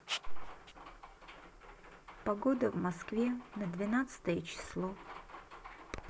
погода в москве на двенадцатое число